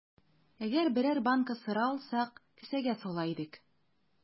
Әгәр берәр банка сыра алсак, кесәгә сала идек.